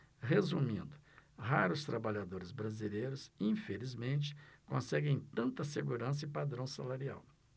resumindo raros trabalhadores brasileiros infelizmente conseguem tanta segurança e padrão salarial